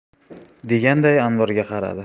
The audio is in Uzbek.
deganday anvarga qaradi